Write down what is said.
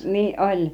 niin oli